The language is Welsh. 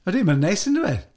Ydy, mae'n neis, yn dyw e.